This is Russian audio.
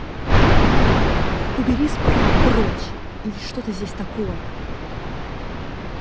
убери справа прочь или что то здесь такое